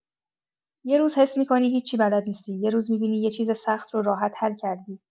یه روز حس می‌کنی هیچی بلد نیستی، یه روز می‌بینی یه چیز سخت رو راحت حل کردی.